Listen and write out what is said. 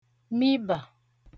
mịbà